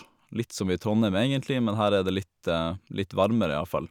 Litt som i Trondheim, egentlig, men her er det litt litt varmere iallfall.